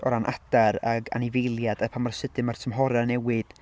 o ran adar ac anifeiliaid a pan mor sydyn mae'r tymhorau'n newid...